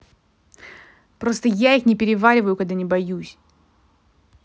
просто я их не перевариваю когда не боюсь